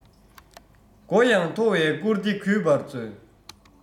མགོ ཡང མཐོ བའི བཀུར སྟི གུས པར མཛོད